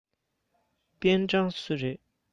པེན ཀྲང སུ རེད